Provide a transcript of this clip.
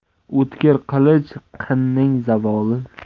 o'tkir qilich qinning zavoli